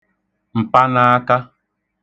m̀panaaka